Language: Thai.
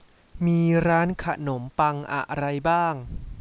มีร้านขนมปังอะไรบ้าง